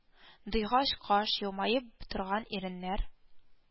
Дыйгач каш, елмаеп торган иреннәр